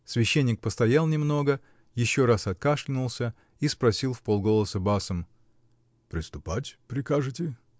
Священник постоял немного, еще раз откашлянулся и спросил вполголоса басом: -- Приступать прикажете?